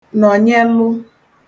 nọ̀nyelụ